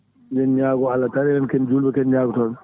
eɗen ñaago Allah tan enen ken julɓe ken ñagotoɓe